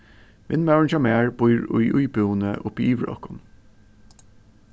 vinmaðurin hjá mær býr í íbúðini uppi yvir okkum